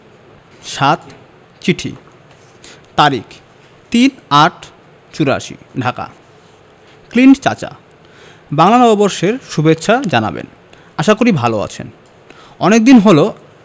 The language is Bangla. ০৭ চিঠি তারিখ ৩-৮-৮৪ ঢাকা ক্লিন্ট চাচা বাংলা নববর্ষের সুভেচ্ছা জানাবেন আশা করি ভালো আছেন অনেকদিন হল